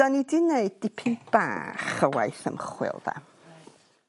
'dan ni di neud dipyn bach o waith ymchwil 'de. Reit.